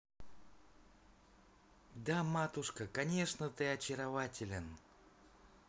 да матушка конечно ты очарователен